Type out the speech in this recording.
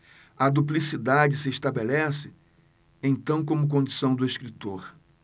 a duplicidade se estabelece então como condição do escritor